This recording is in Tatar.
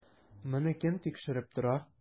Моны кем тикшереп тора?